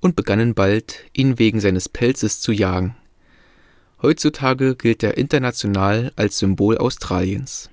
und begannen bald, ihn wegen seines Pelzes zu jagen. Heutzutage gilt er international als Symbol Australiens